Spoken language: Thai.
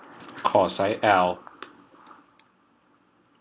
ขอไซส์แอล